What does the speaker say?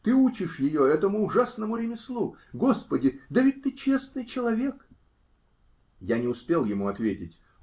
Ты учишь ее этому ужасному ремеслу? Господи! Да ведь ты честный человек?! Я не успел ему ответить.